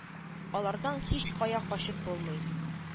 Алардан һичкая качып булмый